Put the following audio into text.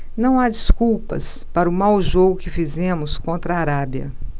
não há desculpas para o mau jogo que fizemos contra a arábia